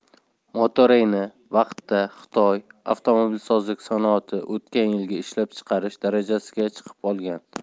motorayni vaqtda xitoy avtomobilsozlik sanoati o'tgan yilgi ishlab chiqarish darajasiga chiqib olgan